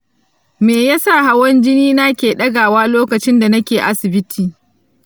me ya sa hawan jini na ke ɗagawa lokacin da nake asibiti?